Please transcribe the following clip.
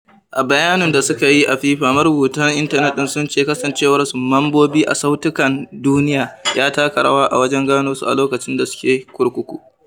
A bayanin da suka yi a FIFA, marubutan intanet ɗin sun ce kasancewarsu mambobi a Sautukan Duniya ya taka rawa a wajen gano su a lokacin da suke kurkuku.